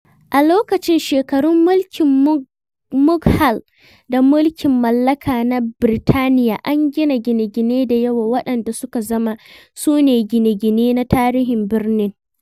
A lokacin shekarun mulkin Mughal da mulkin mallaka na Birtaniya, an gina gine-gine da yawa waɗanda suka zama su ne gine-gine na tarihin birnin.